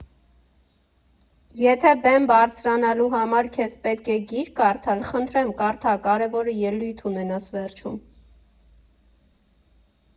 Եթե բեմ բարձրանալու համար քեզ պետք է գիրք կարդալ, խնդրեմ, կարդա, կարևորը՝ ելույթ ունենաս վերջում։